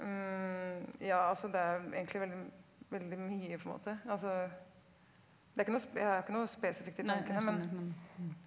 ja altså det er egentlig veldig veldig mye på en måte altså det er ikke noe jeg har ikke noe spesifikt i tankene men.